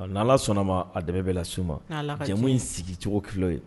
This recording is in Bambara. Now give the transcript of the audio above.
' sɔnna ma a dɛ bɛ la so ma cɛmu in sigi cogo kilo ye